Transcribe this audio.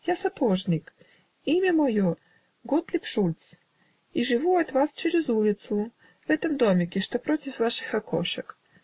Я сапожник, имя мое Готлиб Шульц, и живу от вас через улицу, в этом домике, что против ваших окошек.